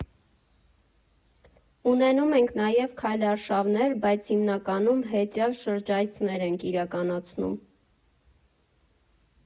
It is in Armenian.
Ունենում ենք նաև քայլարշավներ, բայց հիմնականում հեծյալ շրջայցեր ենք իրականացնում։